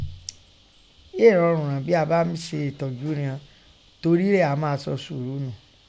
Éè rọrùn rán bín a bá mí se ẹ̀tọ́júu riọn, torí rẹ̀ a máa sọ sùúrù nù.